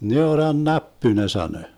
neurannäppy ne sanoi